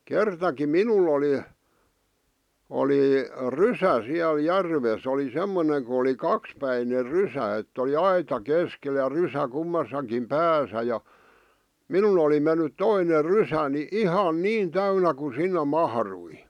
kertakin minulla oli oli rysä siellä järvessä oli semmoinen kun oli kaksipäinen rysä että oli aita keskellä ja rysä kummassakin päässä ja minun oli mennyt toinen rysäni ihan niin täynnä kun sinne mahtui